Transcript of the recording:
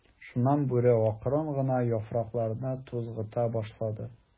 Шуннан Бүре акрын гына яфракларны тузгыта башлады.